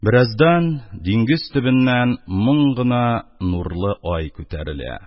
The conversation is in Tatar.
Бераздан диңгез төбеннән моң гына нурлы ай күтәрелә.